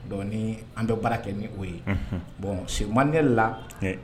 Donc ni an bɛ baara kɛ ni o ye. Unhun ce manuel là